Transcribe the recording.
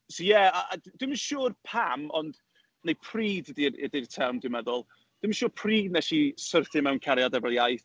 So ie, a a dwi'm yn siŵr pam, ond... neu pryd ydy ydy'r term dwi'n meddwl. Dwi'm yn siŵr pryd wnes i syrthio mewn cariad efo'r iaith.